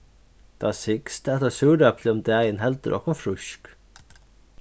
tað sigst at eitt súrepli um dagin heldur okkum frísk